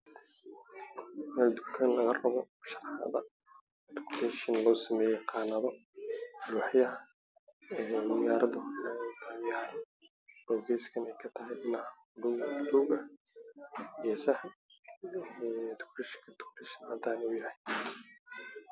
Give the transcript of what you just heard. Waa tukaan waxaa lagu leeyahay iskifaalo cusub oo cadaan